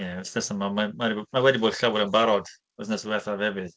Ie, wythnos yma, mae mae we- mae wedi bod llawer yn barod wythnos diwethaf hefyd.